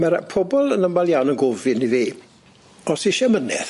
Ma'r yy pobol yn ymal iawn yn gofyn i fi os isie mynedd.